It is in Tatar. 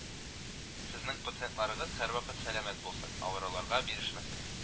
Сезнең пациентларыгыз һәрвакыт сәламәт булсын, авыруларга бирешмәсен